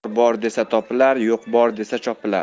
bor bor desa topilar yo'q bor desa chopilar